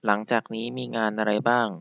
หลังจากนี้มีงานอะไรบ้าง